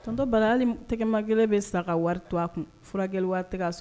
Tɔn bala tɛgɛma kelen bɛ wari to furakɛ